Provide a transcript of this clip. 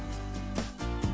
giờ